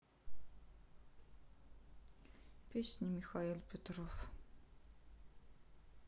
песни михаил петров